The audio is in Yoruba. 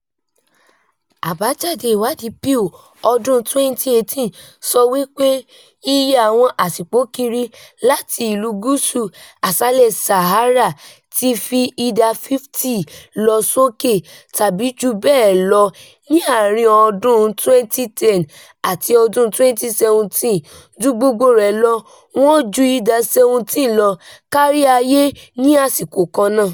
Àbájáde Ìwádìí Pew ọdún-un 2018 sọ wípé iye àwọn aṣípòkiri láti Ìlú Gúúsù Aṣálẹ̀ Sahara "ti fi ìdá 50 lọ sókè tàbí jù bẹ́ẹ̀ lọ ní àárín-in ọdún-un 2010 àti 2017, ju gbogbo rẹ̀ lọ wọn ju ìdá 17 lọ káríayé ní àsìkò kan náà".